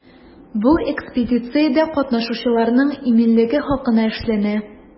Бу экспедициядә катнашучыларның иминлеге хакына эшләнә.